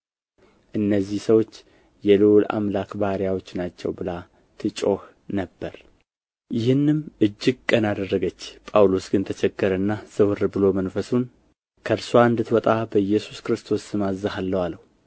እነዚህ ሰዎች የልዑል አምላክ ባሪያዎች ናቸው ብላ ትጮኽ ነበር ይህንም እጅግ ቀን አደረገች ጳውሎስ ግን ተቸገረና ዘወር ብሎ መንፈሱን ከእርስዋ እንድትወጣ በኢየሱስ ክርስቶስ ስም አዝሃለሁ አለው